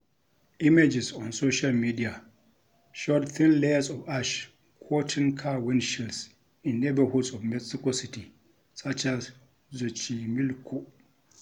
Images on social media showed thin layers of ash coating car windshields in neighborhoods of Mexico City such as Xochimilco.